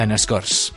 yn y sgwrs.